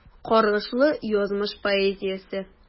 Каргышлы язмыш поэзиясе.